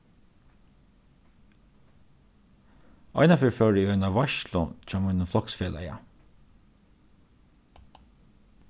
einaferð fór eg í eina veitslu hjá mínum floksfelaga